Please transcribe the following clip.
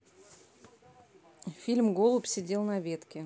фильм голубь сидел на ветке